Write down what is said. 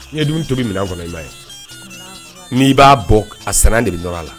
N ye dumuni to bɛ mina kɔnɔ i' ye n'i b'a bɔ a san de bɛɔnɔ a la